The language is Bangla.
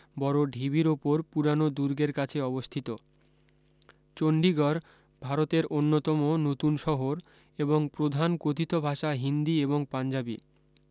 বড় ঢিবির উপর পুরানো দুর্গের কাছে অবস্থিত চন্ডীগড় ভারতের অন্যতম নতুন শহর এবং প্রধান কথিত ভাষা হিন্দী এবং পাঞ্জাবি